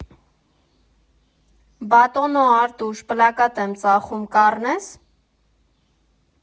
Բատոնո Արտուշ, պլակատ եմ ծախում, կառնե՞ս։